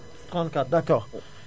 34 d' accord